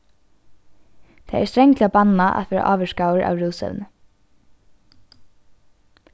tað er strangliga bannað at vera ávirkaður av rúsevni